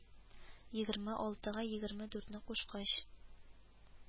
Егерме алтыга егерме дүртне кушкач